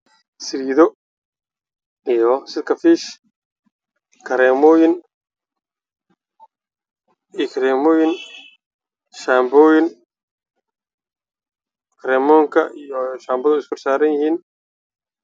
Waa kareen ku jiraan kartoomo midbadoodu waa cagaar